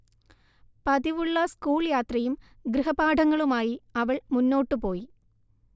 പതിവുള്ള school യാത്രയും ഗൃഹപാഠങ്ങളുമായി അവൾ മുന്നോട്ടുപോയി